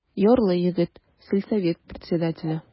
Ярлы егет, сельсовет председателе.